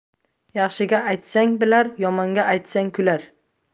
yaxshiga aytsang bilar yomonga aytsang kular